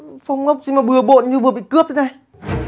phòng ốc gì mà bừa bộn như vừa bị cướp thế